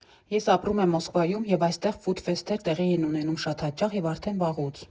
Ես ապրում եմ Մոսկվայում և այստեղ ֆուդ֊ֆեսթեր տեղի են ունենում շատ հաճախ և արդեն վաղուց։